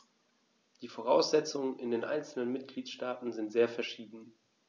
Die Voraussetzungen in den einzelnen Mitgliedstaaten sind sehr verschieden.